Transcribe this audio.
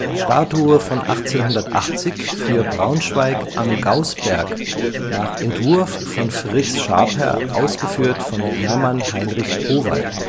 Statue von 1880 für Braunschweig am Gaußberg nach Entwurf von Fritz Schaper, ausgeführt von Hermann Heinrich Howaldt